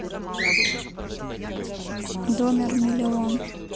домер миллион